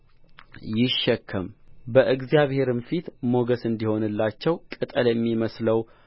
ይሸከም በእግዚአብሔርም ፊት ሞገስ እንዲሆንላቸው ቅጠል የሚመስለው